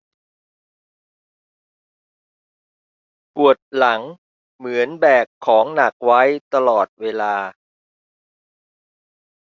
ปวดหลังเหมือนแบกหนักของไว้ตลอดเวลา